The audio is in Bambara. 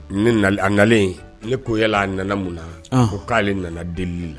A nale ne ko yala a nana mun na ko k'ale nana delili la.